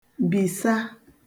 bìsa